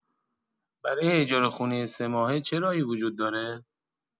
برای اجاره خونه سه‌ماهه چه راهی وجود داره؟